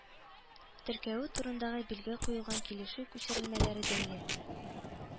Теркәве турындагы билге куелган килешү күчермәләре дәүләт